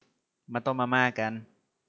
มาต้มมาม่ากัน